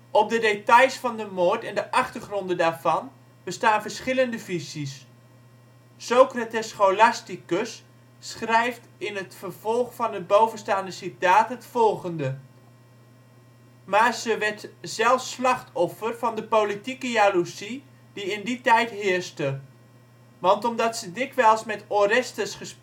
Op de details van de moord en de achtergronden daarvan bestaan verschillende visies. Socrates Scholasticus schrijft in het vervolg van het bovenstaande citaat het volgende: Maar ze werd zelfs slachtoffer van de politieke jaloezie, die in die tijd heerste. Want omdat ze dikwijls met Orestes